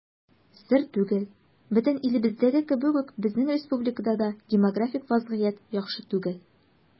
Сер түгел, бөтен илебездәге кебек үк безнең республикада да демографик вазгыять яхшы түгел.